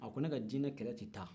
a ko ne ka dinɛ kɛlɛ tɛ taa